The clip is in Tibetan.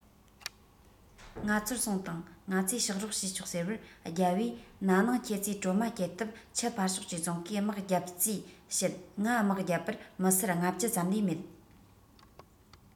ང ཚོར གསུངས དང ང ཚོས ཕྱག རོགས ཞུས ཆོག ཟེར བར རྒྱལ པོས ན ནིང ཁྱེད ཚོས གྲོ མ བསྐྱལ སྟབས ཆུ ཕར ཕྱོགས ཀྱི རྫོང གིས དམག བརྒྱབ རྩིས བྱེད ང དམག བརྒྱབ པར མི སེར ལྔ བཅུ ཙམ ལས མེད